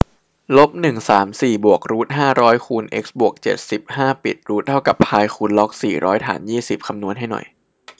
ลบหนึ่งสามสี่บวกรูทห้าร้อยคูณเอ็กซ์บวกเจ็ดสิบห้าปิดรูทเท่ากับพายคูณล็อกสี่ร้อยฐานยี่สิบ